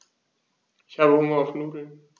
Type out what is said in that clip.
Ich habe Hunger auf Nudeln.